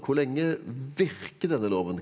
hvor lenge virker denne loven?